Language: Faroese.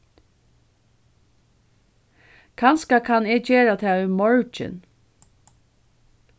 kanska kann eg gera tað í morgin